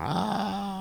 H